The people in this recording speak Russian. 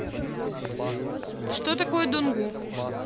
что такое донгу